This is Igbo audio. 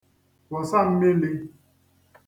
kwọ̀sa mmilī